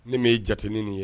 Ni min ye jateinin nin ye